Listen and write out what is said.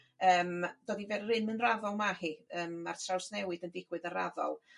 Yrm dod i fe- rym yn raddol ma' hi yrm ma'r trawsnewid yn digwydd y' raddol.